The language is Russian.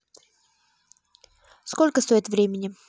сколько стоит времени